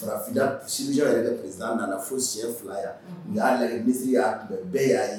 Farafinna s yɛrɛ nana foyɛn fila yan y'a yɛrɛ misi' mɛ bɛɛ y'a ye